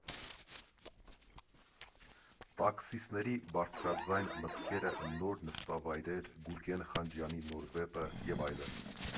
Տաքսիստների բարձրաձայն մտքերը, նոր նստավայրեր, Գուրգեն Խանջյանի նոր վեպը և այլն։